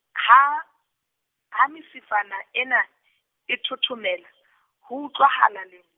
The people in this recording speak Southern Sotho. ha, ha mesifana ena, e thothomela, ho utlwahala len-.